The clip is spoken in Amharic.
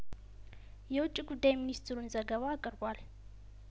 የውጭ ጉዳይ ሚኒስትሩን ዘገባ አቅርቧል